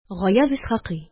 Гаяз Исхакый